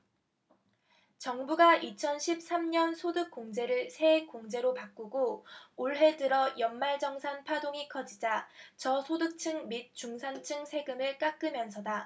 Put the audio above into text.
정부가 이천 십 삼 년 소득공제를 세액공제로 바꾸고 올해 들어 연말정산 파동이 커지자 저소득층 및 중산층 세금을 깎으면서다